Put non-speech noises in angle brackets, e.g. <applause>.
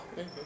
<hesitation> <hesitation>